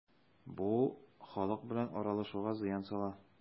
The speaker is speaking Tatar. Бу халык белән аралашуга зыян сала.